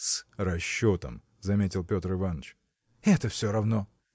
– С расчетом, – заметил Петр Иваныч. – Это все равно.